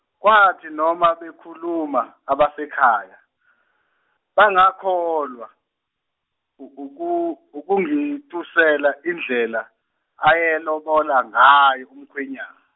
kwathi noma bekhuluma abasekhaya bangakhohlwa ukuku- ukungitusela indlela ayelobola ngayo umkhwenyana.